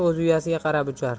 uyasiga qarab uchar